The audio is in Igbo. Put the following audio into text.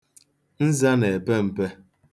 Nza na-epe mpe.